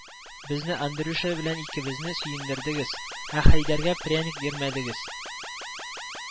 Безне, Андрюша белән икебезне, сөендердегез, ә Хәйдәргә пряник бирмәдегез